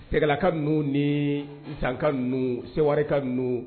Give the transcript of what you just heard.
Sɛgɛkalalaka ninnuu ni sanka n sewa ka nun